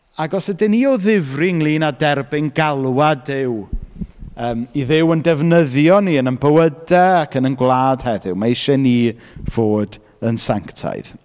Ac os ydyn ni o ddifri ynglyn â derbyn galwad Duw yym, i Dduw ein defnyddio ni yn ein bywydau ac yn ein gwlad heddiw, mae isie ni fod yn sanctaidd.